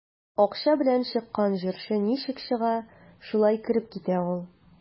Акча белән чыккан җырчы ничек чыга, шулай кереп китә ул.